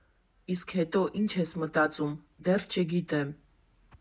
Իսկ հետո ինչ ես մտածում՝ դեռ չգիտեմ։